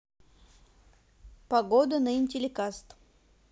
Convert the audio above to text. погода на интелликаст